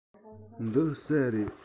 འདི ཟྭ རེད